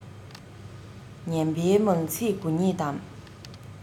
ངན པའི མང ཚིག དགུ ཉིད དམ